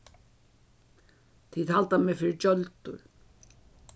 tit halda meg fyri gjøldur